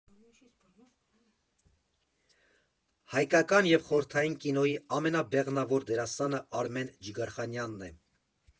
Հայկական և խորհրդային կինոյի ամենաբեղմնավոր դերասանը Արմեն Ջիգարխանյանն է։